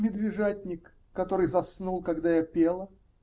-- Медвежатник, который заснул, когда я пела!